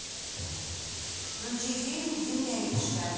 включи фильм зимняя вишня